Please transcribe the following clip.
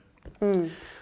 ja.